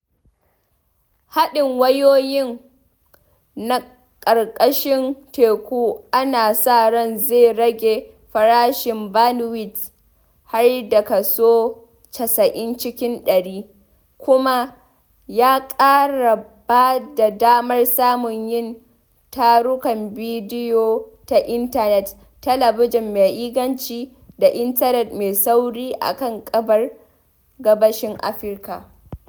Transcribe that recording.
Haɗin wayoyin na ƙarƙashin teku ana sa ran zai rage farashin bandwidth har da kaso 90 cikin 100, kuma ya ƙara bada damar samun yin tarukan bidiyo ta intanet, talabijin mai inganci, da intanet mai sauri a kan gaɓar gabashin Afirka.